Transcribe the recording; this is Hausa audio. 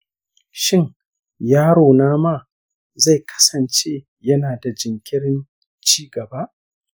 shin yarona ma zai kasance yana da jinkirin ci gaba